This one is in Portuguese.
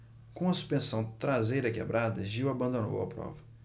com a suspensão traseira quebrada gil abandonou a prova